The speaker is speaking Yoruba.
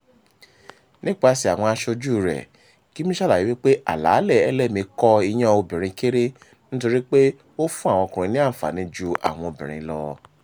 Nípasẹ̀ àwọn aṣojú rẹ̀, Gyumi ṣàlàyé wípé àlàálẹ̀ LMA kọ iyán obìnrin kéré nítorí pé ó fún àwọn ọkùnrin ní àǹfààní ju àwọn obìnrin lọ.